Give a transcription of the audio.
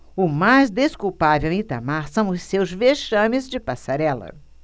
o mais desculpável em itamar são os seus vexames de passarela